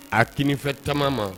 A kfɛ taama ma